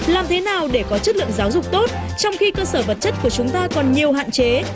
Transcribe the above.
làm thế nào để có chất lượng giáo dục tốt trong khi cơ sở vật chất của chúng ta còn nhiều hạn chế